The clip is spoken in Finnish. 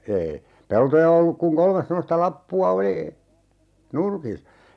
ei peltoja ollut kuin kolme semmoista lappua oli nurkissa